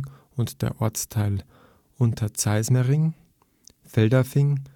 und der Ortsteil Unterzeismering Feldafing